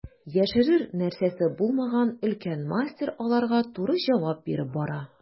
Яшерер нәрсәсе булмаган өлкән мастер аларга туры җавап биреп бара.